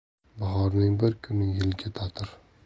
bahorning bir kuni yilga tatir